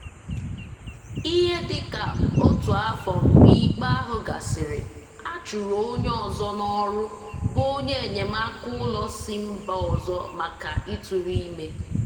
Ihe dị ka otu afọ mgbe ikpe ahụ gasịrị, a chụrụ onye ọzọ n'ọrụ bụ onye enyemaka ụlọ si mba ọzọ maka ịtụrụ ime.